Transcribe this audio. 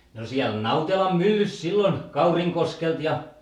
no siellä Nautelan myllyssä silloin Kaurinkoskelta ja